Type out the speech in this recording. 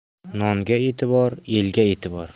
nonga e'tibor elga e'tibor